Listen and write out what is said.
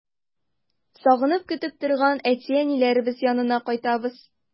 Сагынып көтеп торган әти-әниләребез янына кайтабыз.